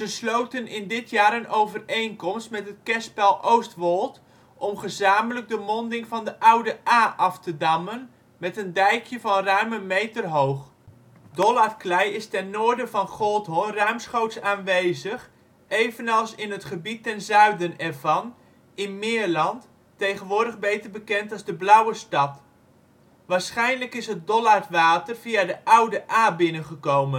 sloten in dit jaar een overeenkomst met het kerspel Oostwold om gezamenlijk de monding van de Oude Ae af te dammen met een dijkje van ruim een meter hoog. Dollardklei is ten noorden van Goldhoorn ruimschoots aanwezig, evenals in het gebied ten zuiden ervan, in Meerland (tegenwoordig beter bekend als de Blauwe Stad). Waarschijnlijk is het Dollardwater via de Oude Ae binnengekomen. Het